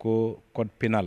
Ko code pénal